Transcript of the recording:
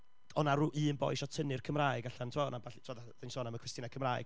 oedd 'na ryw un boi isio tynnu'r Cymraeg allan, tibod? Oedd 'na ambell tibod fatha oedden ni'n sôn am y cwestiynau Cymraeg.